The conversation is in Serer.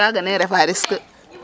kaga ne refa risque